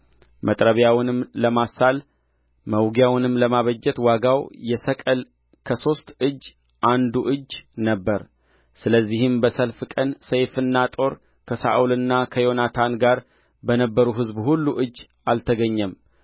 መጥረቢያውንም ለማሳል መውጊያውንም ለማበጀት ዋጋው የሰቅል ከሶስት እጅ አንዱ እጅ ነበረ ስለዚህም በሰልፍ ቀን ሰይፍና ጦር ከሳኦልና ከዮናታን ጋር በነበሩ ሕዝብ ሁሉ እጅ አልተገኘም